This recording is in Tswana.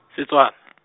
Setswana .